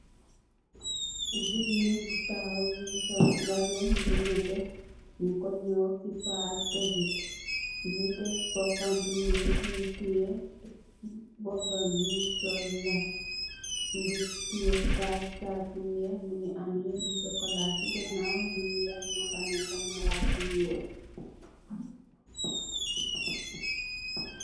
Jigéen bu taxaw mugii sol mbasen bu netteh mung ko ñaw sipá ak dagit. Mugii dèf bópam bi més mugii teyeh bópambi mugii sol lam, mugii teyeh sak , sak bu wèèx, mugii ameh lu sokola ci ganaw lu wèèx mo fa nekka maraj bu wèèx.